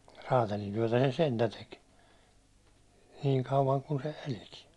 räätälintyötä se sentään teki niin kauan kuin se elikin